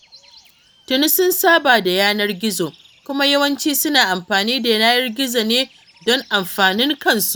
Tuni sun saba da yanar-gizo, kuma yawanci suna amfani da yanar-gizo ne don amfanin kansu.